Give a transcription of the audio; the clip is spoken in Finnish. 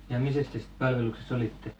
ja missäs te sitten palveluksessa olitte